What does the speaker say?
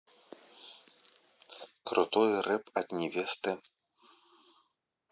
крутой рэп от невесты